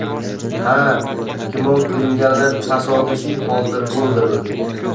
ha gumon qilinganlar tasodifiy holda o'ldirildi